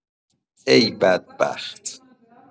ای بدبخت